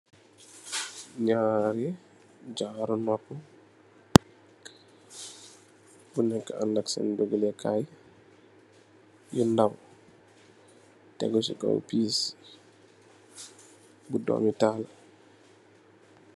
Nyari jaaru nopu bu neka andax sen dogalekay yu ndaw tegu se kaw pess bu dome taal.